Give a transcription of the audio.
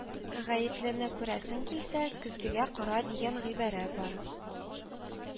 Гаеплене күрәсең килсә, көзгегә кара дигән гыйбәрә бар